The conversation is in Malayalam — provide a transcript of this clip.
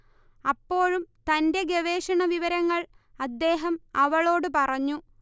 അപ്പോഴും തന്റെ ഗവേഷണവിവരങ്ങൾ അദ്ദേഹം അവളോട് പറഞ്ഞു